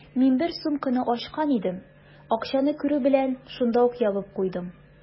Мин бер сумканы ачкан идем, акчаны күрү белән, шунда ук ябып куйдым.